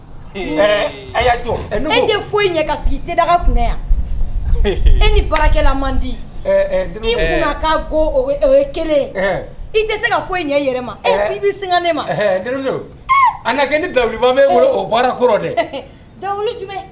Kun yan e man di kelen i tɛ se ka foyi ɲɛ yɛrɛ mabi sin ne ma a kɛ ni dawuba bɔra kɔrɔ dɛ dawu jumɛn